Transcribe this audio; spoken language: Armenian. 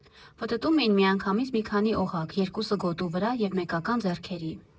Պտտում էին միանգամից մի քանի օղակ՝ երկուսը գոտու վրա և մեկական՝ ձեռքերի։